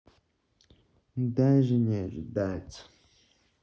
даже не ожидается